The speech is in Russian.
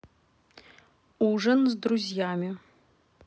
ужин с друзьями